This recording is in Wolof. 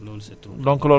waaw loolu c' est trop